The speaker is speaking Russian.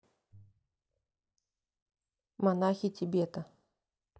монахи тибета